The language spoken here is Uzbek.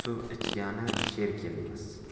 suv ichgali sher kelmas